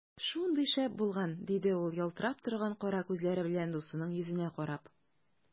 Шундый шәп булган! - диде ул ялтырап торган кара күзләре белән дусының йөзенә карап.